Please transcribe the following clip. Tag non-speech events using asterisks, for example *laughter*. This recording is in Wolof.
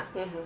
*hesitation* *hesitation*